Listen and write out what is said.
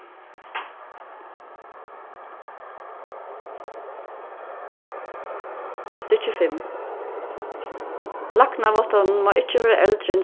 stykki fimm læknaváttanin má ikki vera eldri enn